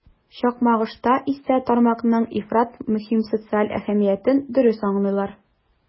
Чакмагышта исә тармакның ифрат мөһим социаль әһәмиятен дөрес аңлыйлар.